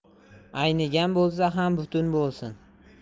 aynigan bo'lsa ham butun bo'lsin